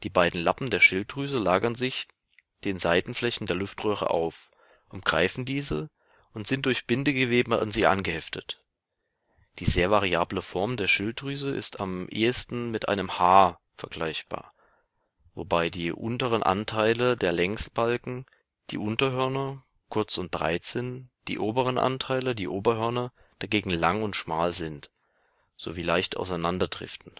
beiden Lappen der Schilddrüse lagern sich den Seitenflächen der Luftröhre auf, umgreifen diese und sind durch Bindegewebe an sie angeheftet. Die sehr variable Form der Schilddrüse ist am ehesten mit einem „ H “vergleichbar, wobei die unteren Anteile der Längsbalken – die Unterhörner – kurz und breit sind, die oberen Anteile – die Oberhörner – dagegen lang und schmal sind sowie leicht auseinanderdriften